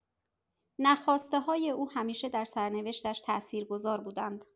نخواسته‌های او همیشه در سرنوشتش تاثیرگذار بودند.